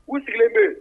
U sigilen bɛ